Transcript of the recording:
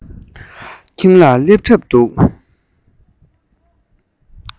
ཁྱིམ ལ སླེབས གྲབས འདུག